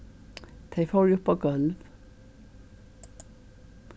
tey fóru upp á gólv